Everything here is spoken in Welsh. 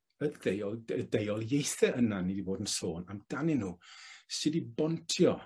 y deuol- dy- deuoliaethe yna ni 'di bod yn sôn amdanyn nhw sud i bontio